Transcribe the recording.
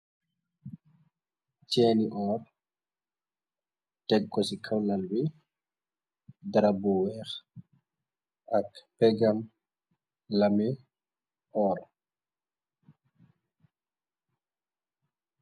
Chenni orr tekk ko ci kaw lal bi, darap bu weeh ak pègam lami Orr.